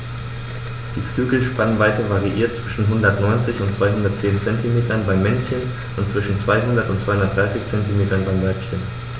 Die Flügelspannweite variiert zwischen 190 und 210 cm beim Männchen und zwischen 200 und 230 cm beim Weibchen.